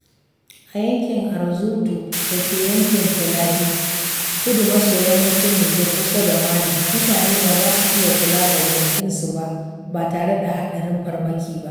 A yankin Anzourou, da ke yankin Tillabéri [kudu maso yammacin Nijar, kusa da Mali], mutane ba za su iya kula da gonakinsu ba, ba tare da haɗarin farmaki ba.